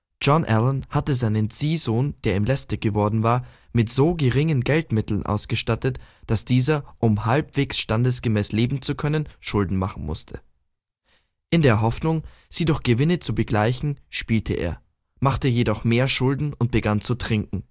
John Allan hatte seinen Ziehsohn, der ihm lästig geworden war, mit so geringen Geldmitteln ausgestattet, dass dieser, um halbwegs standesgemäß leben zu können, Schulden machen musste. In der Hoffnung, sie durch Gewinne zu begleichen, spielte er, machte noch mehr Schulden und begann zu trinken